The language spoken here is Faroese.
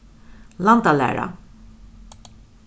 landalæra